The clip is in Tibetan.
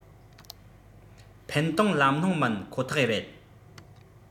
འཕེན གཏོང ལམ ལྷོངས མིན ཁོ ཐག རེད